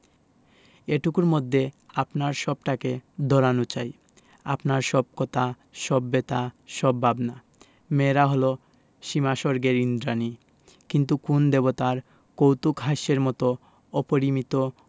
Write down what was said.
এটুকুর মধ্যে আপনার সবটাকে ধরানো চাই আপনার সব কথা সব ব্যাথা সব ভাবনা মেয়েরা হল সীমাস্বর্গের ঈন্দ্রাণী কিন্তু কোন দেবতার কৌতূকহাস্যের মত অপরিমিত